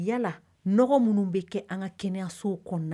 Yala minnu bɛ kɛ an ka kɛnɛyaso kɔnɔ